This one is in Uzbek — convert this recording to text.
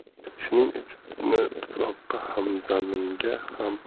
shuning uchunmi tuproqqa ham zaminga